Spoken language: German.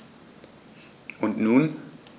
Und nun?